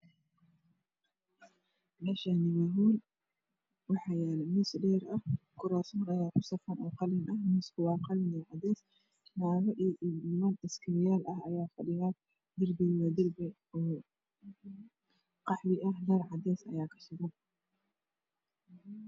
Meshani waa hool waxaa yala kurasman ayaa ku safan oo qalin ah miiska waa qalin iyo cadeea nago iyo niman oo ashari yaal ah ayaa fadhiyan derbiga waa derbi oo qaxwi ah nal xadees ah ayaa kashidan